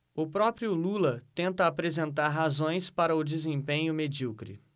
o próprio lula tenta apresentar razões para o desempenho medíocre